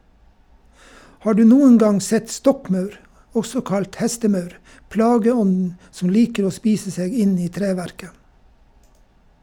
Har du noen gang sett stokkmaur , også kalt hestemaur, plageånden som liker å spise seg inn i treverket?